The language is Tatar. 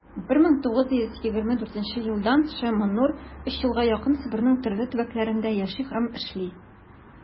1924 елдан ш.маннур өч елга якын себернең төрле төбәкләрендә яши һәм эшли.